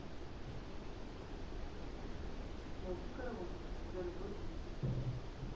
найди караоке для любой песни